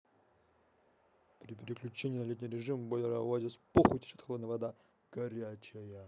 при переключении на летний режим бойлера оазис похуй течет холодная вода горячая